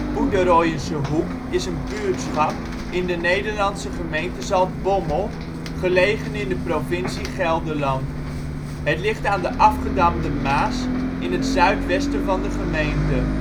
Poederoijensehoek is een buurtschap in de Nederlandse gemeente Zaltbommel, gelegen in de provincie Gelderland. Het ligt aan de Afgedamde Maas in het zuidwesten van de gemeente